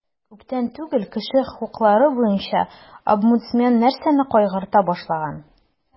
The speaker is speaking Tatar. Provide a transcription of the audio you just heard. Күптән түгел кеше хокуклары буенча омбудсмен нәрсәне кайгырта башлаган?